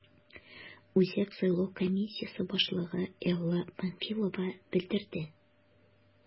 Үзәк сайлау комиссиясе башлыгы Элла Памфилова белдерде: